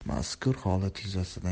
mazkur holat yuzasidan